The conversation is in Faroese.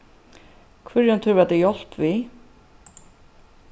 hvørjum tørvar tær hjálp við